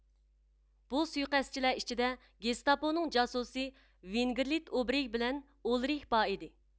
بۇ سۇيىقەستچىلەر ئىچىدە گېستاپونىڭ جاسۇسى ۋېنگرلېد ئوبېرگ بىلەن ئۇلرىھ بار ئىدى